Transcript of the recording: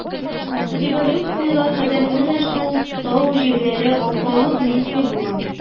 Революциягә кадәр менә шул тау җирләре алпавыт милке булган.